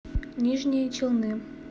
нижние челны